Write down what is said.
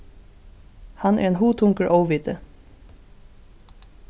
hann er ein hugtungur óviti